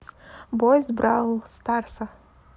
boys бравл старса